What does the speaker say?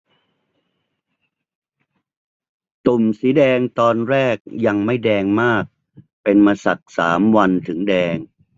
ตุ่มสีแดงตอนแรกยังไม่แดงมากเป็นมาสักสามวันถึงแดง